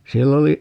siellä oli